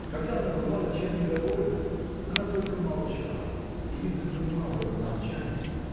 Когда она бывала, чем недовольна, она только молчала и Лиза понимала это молчание